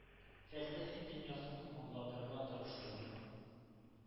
Фәлсәфи дөньясын аңлатырга тырышуым